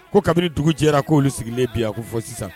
Ko kabini dugu jɛra k'olu sigilenlen bi a ko fɔ sisan